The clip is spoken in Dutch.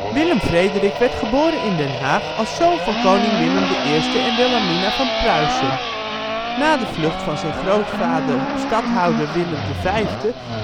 Willem Frederik werd geboren in Den Haag als zoon van koning Willem I en Wilhelmina van Pruisen. Na de vlucht van zijn grootvader stadhouder Willem V en de